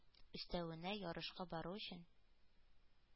Өстәвенә, ярышка бару өчен